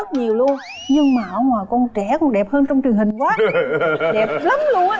rất nhiều luôn nhưng mà ở ngoài con trẻ con đẹp hơn trong truyền hình quá đẹp lắm luôn á